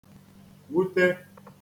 -wúté